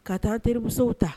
Ka taa teriribuguw ta